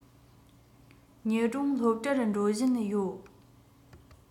ཉི སྒྲོན སློབ གྲྭར འགྲོ བཞིན ཡོད